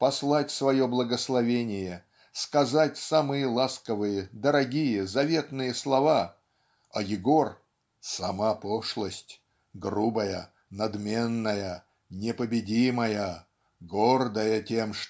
послать свое благословение сказать самые ласковые дорогие заветные слова а Егор "сама пошлость грубая надменная непобедимая гордая тем